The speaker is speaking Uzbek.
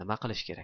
nima qilish kerak